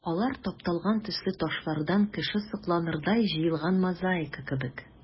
Алар тапталган төсле ташлардан кеше сокланырдай җыелган мозаика кебек.